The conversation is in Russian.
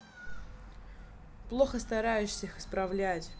плохо стараешься их исправлять